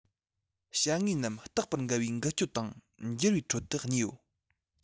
བྱ དངོས རྣམས རྟག པར འགལ བའི འགུལ སྐྱོད དང འགྱུར བའི ཁྲོད དུ གནས ཡོད